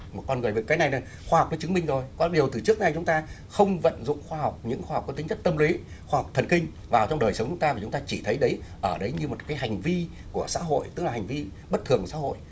một con người cái này là khoa học nó chứng minh rồi có điều từ trước nay chúng ta không vận dụng khoa học những khóa học có tính chất tâm lý khoa học thần kinh vào trong đời sống chúng ta bởi chúng ta chỉ thấy đấy ờ đấy như một cái hành vi của xã hội tức là hành vi bất thường của xã hội